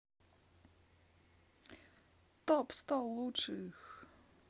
топ сто лучших